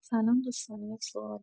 سلام دوستان یک سوال